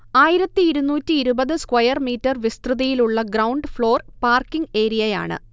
ആയിരത്തി ഇരുന്നൂറ്റി ഇരുപത് സ്ക്വയർ മീറ്റർ വിസ്തൃതിയിലുള്ള ഗ്രൗണ്ട് ഫ്ളോർ പാർക്കിങ് ഏരിയയാണ്